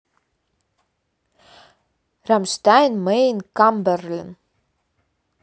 rammstein mein камберлен